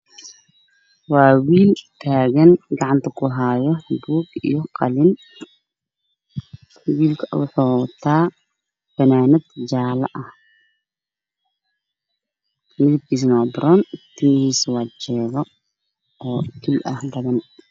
Waa wiil taagan oo gacanta ku hayo buugii qalin wiilka wuxuu wataa fanaanad jaala ah midabkiis waa baron timihiisuna waa jeega